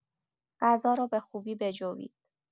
غذا را به خوبی بجوید.